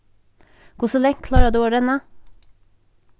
hvussu langt klárar tú at renna